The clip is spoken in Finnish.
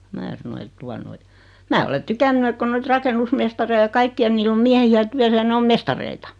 minä sanoin että tuota noin minä olen tykännyt että kun noita rakennusmestareita ja kaikkia niillä on miehiä työssä ja ne on mestareita